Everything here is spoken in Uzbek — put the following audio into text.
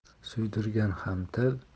suydirgan ham til